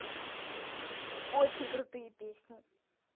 очень крутые песни